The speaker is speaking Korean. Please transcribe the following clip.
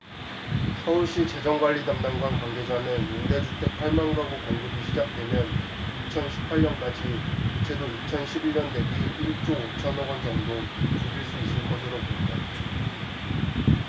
서울시 재정관리담당관 관계자는 임대주택 팔 만 가구 공급이 시작되면 이천 십 팔 년까지 부채도 이천 십 일 년 대비 일 조 오 천억원 정도 줄일 수 있을 것으로 본다